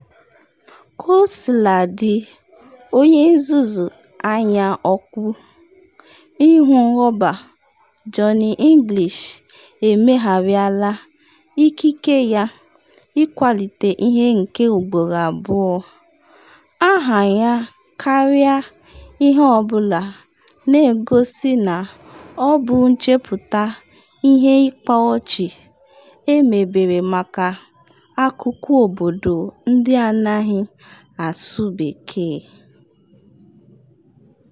Kosiladị, onye nzuzu anya ọkpụ, ihu rọba Johnny English emegharịala ikike ya ịkwalite ihe nke ugboro abụọ - aha ya karịa ihe ọ bụla na-egosi na ọ bụ nchepụta ihe ịkpa ọchị emebere maka akụkụ obodo ndị anaghị asụ Bekee.